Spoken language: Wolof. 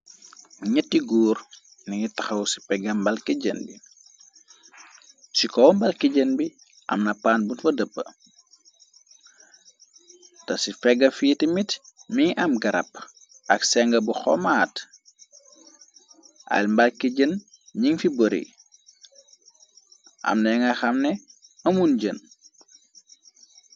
Netti góur ningi taxaw ci pegam balki jën bi ci kowa mbalki jën bi amna pann bu fa dëppa da ci fega fiiti mit mi am garapp ak senga bu xomaat ayl mbalki jën ning fi bori amlenga xamne amun jën.